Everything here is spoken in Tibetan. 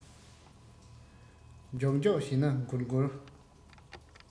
མགྱོགས མགྱོགས བྱས ན འགོར འགོར